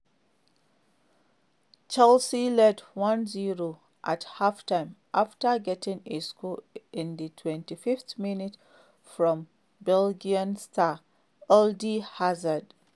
Chelsea led 1-0 at halftime after getting a score in the 25th minute from Belgian star Eden Hazard.